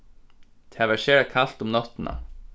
tað var sera kalt um náttina